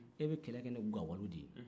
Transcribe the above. e bɛ kɛlɛ kɛ ni gawalo de ye